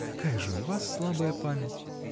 — Какая же у вас слабая память!